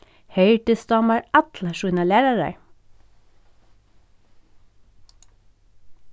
herdis dámar allar sínar lærarar